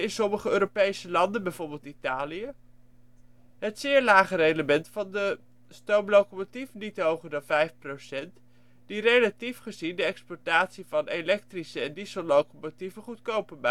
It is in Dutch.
sommige Europese landen, bijvoorbeeld Italië, het zeer lage rendement van de stoomlocomotief (niet hoger dan 5 %), die relatief gezien de exploitatie van elektrische - en diesellocomotieven goedkoper